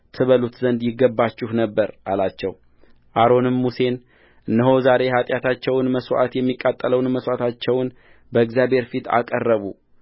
ትበሉት ዘንድ ይገባችሁ ነበር አላቸውአሮንም ሙሴን እነሆ ዛሬ የኃጢያታቸውን መሥዋዕት የሚቃጠለውንም መሥዋዕታቸውን በእግዚአብሔር ፊት አቀረቡ